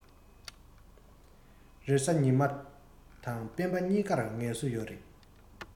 རེས གཟའ ཉི མར དང སྤེན པ གཉིས ཀར སལ གསོ ཡོད རེད